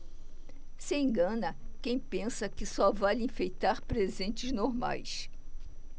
se engana quem pensa que só vale enfeitar presentes normais